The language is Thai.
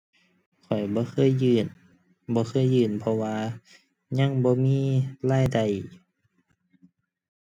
ข้อยบ่เคยยื่น บ่เคยยื่น เพราะว่ายังบ่มีรายได้